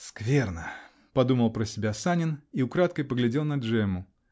"Скверно!" -- подумал про себя Санин -- и украдкой поглядел на Джемму .